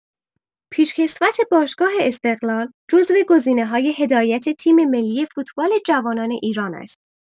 پیشکسوت باشگاه استقلال جزو گزینه‌های هدایت تیم‌ملی فوتبال جوانان ایران است.